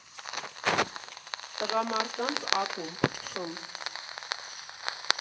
«Տղամարդկանց ակումբ» ֊ խմբ.